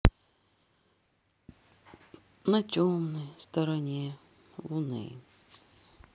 на темной стороне луны